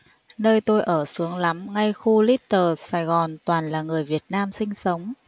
nơi tôi ở sướng lắm ngay khu little sài gòn toàn là người việt nam sinh sống